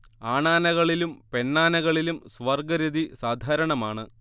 ആണാനകളിലും പെണ്ണാനകളിലും സ്വവർഗ്ഗരതി സാധാരണമാണ്